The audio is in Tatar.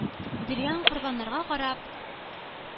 Биргән корбаннарга карап